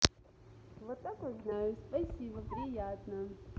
вот так вот знаю спасибо приятно